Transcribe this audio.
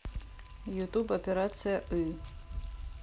ютуб операция ы